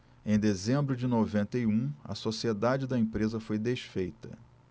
em dezembro de noventa e um a sociedade da empresa foi desfeita